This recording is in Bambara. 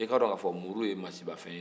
i k'a don ka fɔ muru ye masiba fɛn ye